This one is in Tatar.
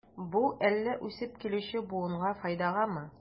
Бу әллә үсеп килүче буынга файдагамы?